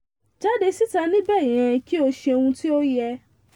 Jáde síta níbẹ̀yẹn kí o ṣe ohun tí ó yẹ